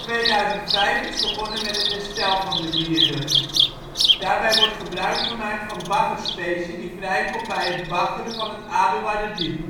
2005 is begonnen met het herstel van de wierde. Daarbij wordt gebruikgemaakt van baggerspecie die vrij komt bij het baggeren van het Aduarderdiep